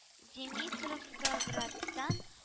Димитревкроградтан